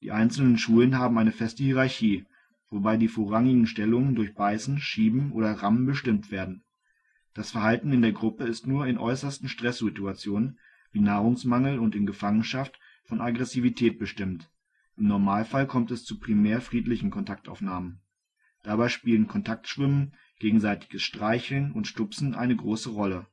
einzelnen Schulen haben eine feste Hierarchie, wobei die vorrangigen Stellungen durch Beißen, Schieben oder Rammen bestimmt werden. Das Verhalten in der Gruppe ist nur in äußersten Stresssituationen wie Nahrungsmangel und in Gefangenschaft von Aggressivität bestimmt, im Normalfall kommt es zu primär friedlichen Kontaktaufnahmen. Dabei spielen Kontaktschwimmen, gegenseitiges Streicheln und Stupsen eine große Rolle